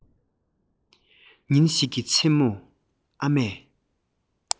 ཉིན ཞིག གི མཚན མོར ཨ མས